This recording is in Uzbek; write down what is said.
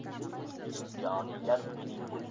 joningdan umidingni uz